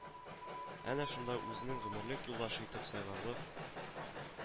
Әнә шунда үзенең гомерлек юлдашы итеп сайларлык